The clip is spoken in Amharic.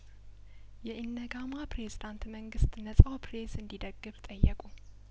የኢነጋማ ፕሬዝዳንት መንግስት ነጻው ፕሬስ እንዲ ደግፍ ጠየቁ